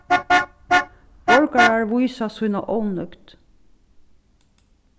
borgarar vísa sína ónøgd